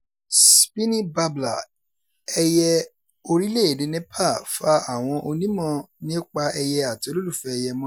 Spiny Babbler, ẹyẹ orílẹ̀-èdè Nepal, fa àwọn onímọ̀-nípa-ẹyẹ àti olólùfẹ́ ẹyẹ mọ́ra